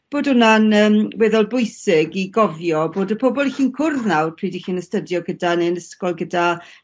bod wnna'n yym weddol bwysig i gofio bod y pobol 'ych chi'n cwrdd nawr pryd 'ych chi'n astudio gyda ne' yn ysgol gyda